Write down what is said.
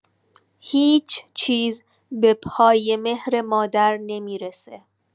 هیچ‌چیز به پای مهر مادر نمی‌رسه.